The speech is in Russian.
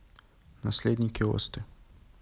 наследники осты